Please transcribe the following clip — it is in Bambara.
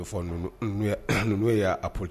U bɛ fɔ n n ye y'a po ten